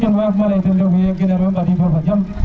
keem ley ten refu ye genar we mbadi doyo fa jàm